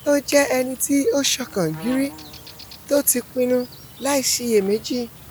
Ó jẹ́ ẹnití ó ṣọkàn gíri, tóti pinnu, láìsiyèméji.''